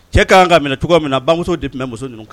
Cɛ ka kan ka minɛ cogo min na bamuso de tun bɛ muso ninnu kan